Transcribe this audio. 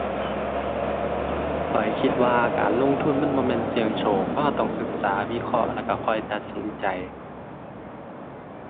ข้อยคิดว่าการลงทุนมันบ่แม่นเสี่ยงโชค เพราะเราต้องศึกษา วิเคราะห์ แล้วเราค่อยตัดสินใจ